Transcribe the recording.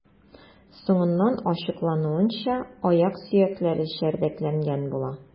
Соңыннан ачыклануынча, аяк сөякләре чәрдәкләнгән була.